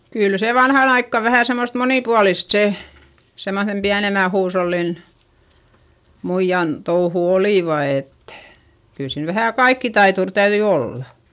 kyllä se vanhaan aikaan vähän semmoista monipuolista se semmoisen pienemmän huushollin muijan touhut olivat että kyllä siinä vähän kaikkitaituri täytyi olla